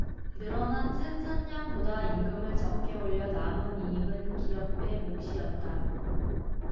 늘어난 생산량보다 임금을 적게 올려 남은 이익은 기업의 몫이었다